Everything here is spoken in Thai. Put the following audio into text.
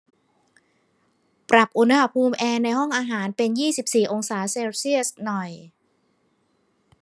ปรับอุณหภูมิแอร์ในห้องอาหารเป็นยี่สิบสี่องศาเซลเซียสหน่อย